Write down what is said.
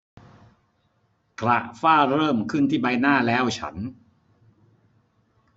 กระฝ้าเริ่มขึ้นที่ใบหน้าแล้วฉัน